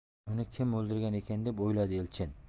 uni kim o'ldirgan ekan deb o'yladi elchin